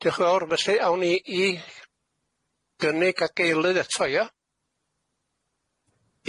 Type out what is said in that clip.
Diolch yn fawr felly awn ni i i gynnig ag eilydd eto ia?